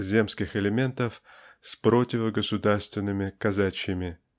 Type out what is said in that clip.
земских элементов с противогосударственными казачьими.